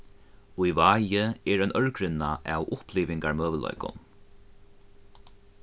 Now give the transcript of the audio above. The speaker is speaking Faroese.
í vági er ein ørgrynna av upplivingarmøguleikum